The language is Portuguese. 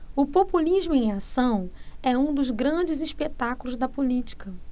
o populismo em ação é um dos grandes espetáculos da política